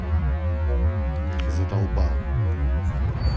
задолбал